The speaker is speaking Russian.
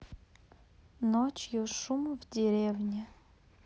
ночью шум в деревне